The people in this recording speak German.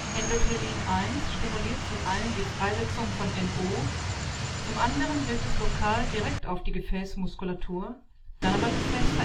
Endothelin-1 stimuliert zum einen die Freisetzung von NO, zum anderen wirkt es lokal direkt auf die Gefäßmuskulatur, dann aber gefäßverengend. Es